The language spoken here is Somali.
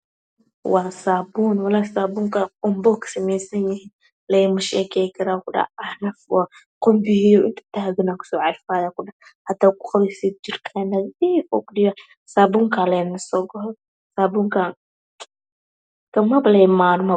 Meshan waxaa yalo sabuun oo qubes ah